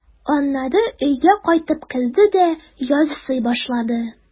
Аннары өйгә кайтып керде дә ярсый башлады.